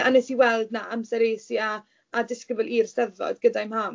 A wnes i weld 'na amser es i â â disgybl i'r Steddfod gyda'i mham.